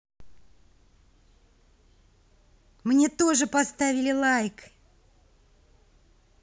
мне тоже поставили лайк